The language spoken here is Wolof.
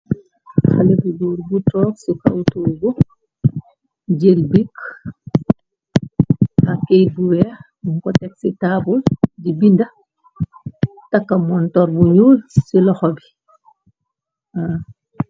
alebrigor bu troox ci kawtubu jil bik akkey buweex bum ko teg ci taabul ji binda takka montor bu nuul ci loxo bi